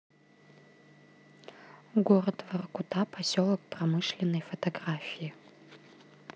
город воркута поселок промышленной фотографии